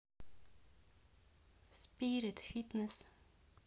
спирит фитнес